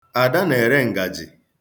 Ada na-ere ngaji.